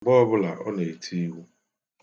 Mgbe ọbụla ọ na-eti iwu